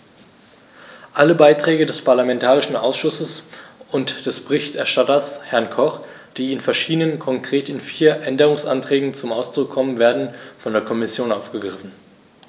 Alle Beiträge des parlamentarischen Ausschusses und des Berichterstatters, Herrn Koch, die in verschiedenen, konkret in vier, Änderungsanträgen zum Ausdruck kommen, werden von der Kommission aufgegriffen.